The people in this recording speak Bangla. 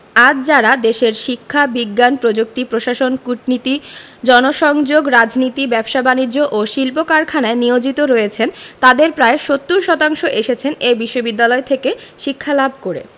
আজ যাঁরা দেশের শিক্ষা বিজ্ঞান প্রযুক্তি প্রশাসন কূটনীতি জনসংযোগ রাজনীতি ব্যবসা বাণিজ্য ও শিল্প কারখানায় নিয়োজিত রয়েছেন তাঁদের প্রায় ৭০ শতাংশ এসেছেন এ বিশ্ববিদ্যালয় থেকে শিক্ষালাভ করে